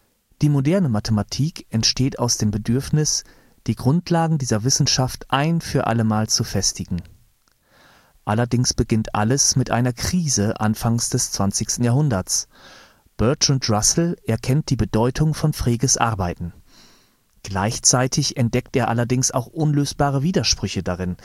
Die moderne Mathematik entsteht aus dem Bedürfnis, die Grundlagen dieser Wissenschaft ein für allemal zu festigen. Allerdings beginnt alles mit einer Krise anfangs des 20. Jahrhunderts: Bertrand Russell erkennt die Bedeutung von Freges Arbeiten. Gleichzeitig entdeckt er allerdings auch unlösbare Widersprüche darin